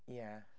Ie.